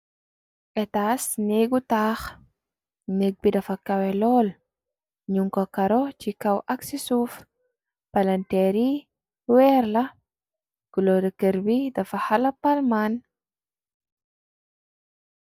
Etaas neegu taax neg bi dafa kawe lool ñun ko karo ci kaw ak ci suuf palanteer yi weer la kuloore kër bi dafa xala palmaan.